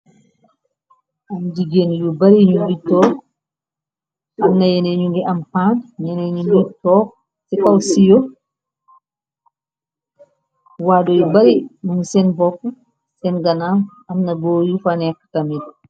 Am jigéen yu bari ñu ngi toog, am ñenen ñu ngi am pan, ñene ñu ngi toog si kow siwo,(...)bari mu ngi seen bopp seen, ganaaw ,am na ñu yu fa nëëk tamit.